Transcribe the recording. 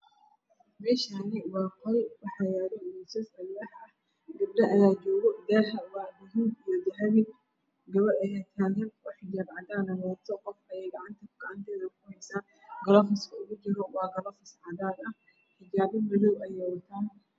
Meeshaani waa qol waxaa yaalo miisas alwaax ah gabdho ayaa jooga daaha waa buluug iyo dahabi gabar ayaa taagaan ooxijaab caadan ah wadato qof ayey gacanteeda ku haysaa galoodiska oogu jiro waa cadaan xijaabo madow ayey wadataa